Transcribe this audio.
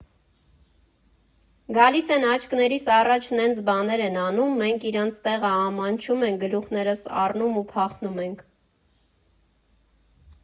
Գալիս են աչքներիս առաջ նենց բաներ են անում, մենք իրանց տեղը ամաչում ենք, գլուխներս առնում ու փախնում ենք։